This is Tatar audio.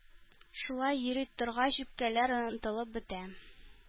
Шулай йөри торгач үпкәләр онытылып бетә.